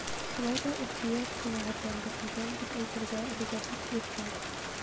Шулай да ихтыяҗ канәгатьләндерелгән дип әйтергә әлегә бик иртә.